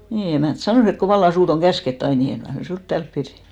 niin emäntä sanoi että kun vallan sinua on käsketty aina niin en kai minä sinua täällä pidä